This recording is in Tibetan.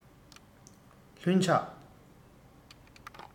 ལྷུན ཆགས